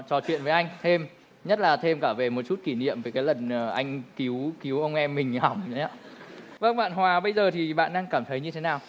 trò chuyện với anh thêm nhất là thêm cả về một chút kỷ niệm về cái lần anh cứu cứu ông em mình hỏng đấy ạ vâng bạn hòa bây giờ thì bạn đang cảm thấy như thế nào